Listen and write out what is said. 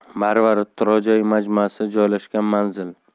marvarid turar joy majmuasi joylashgan manzil